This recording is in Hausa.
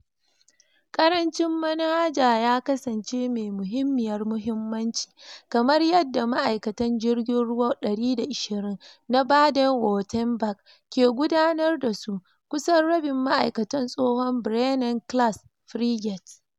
Karancin Manhaja ya kasance mai muhimmiyar muhimmanci kamar yadda ma'aikatan jirgin ruwa 120 na Baden-Wuerttemberg ke gudanar da su. Kusan rabin ma'aikatan tsohon Bremen class frigates.